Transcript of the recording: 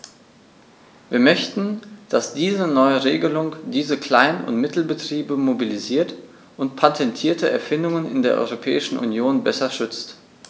Wir möchten, dass diese neue Regelung diese Klein- und Mittelbetriebe mobilisiert und patentierte Erfindungen in der Europäischen Union besser schützt.